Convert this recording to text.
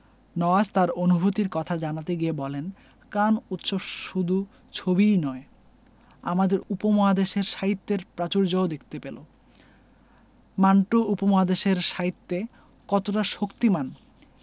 নওয়াজ তার অনুভূতির কথা জানাতে গিয়ে বলেন কান উৎসব শুধু ছবিই নয় আমাদের উপমহাদেশের সাহিত্যের প্রাচুর্যও দেখতে পেল মান্টো উপমহাদেশের সাহিত্যে কতটা শক্তিমান